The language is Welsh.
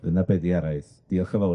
Dyna be' 'di araith. Dioch yn fowr...